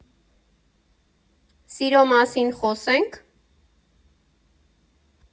֊ Սիրո մասին խոսե՞նք։